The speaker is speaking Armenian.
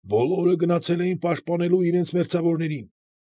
Բոլորը գնացել էին պաշտպանելու իրենց մերձավորներին։